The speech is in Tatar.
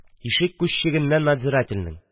Ишек күзеннән надзирательнең: